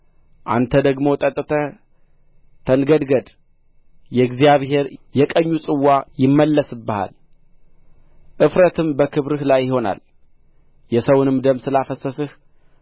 አንተ ደግሞ ጠጥተህ ተንገድገድ የእግዚአብሔር የቀኙ ጽዋ ይመለስብሃል እፍረትም በክብርህ ላይ ይሆናል የሰውንም ደም ስላፈሰስህ